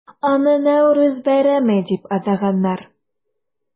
Аны Нәүрүз бәйрәме дип атаганнар.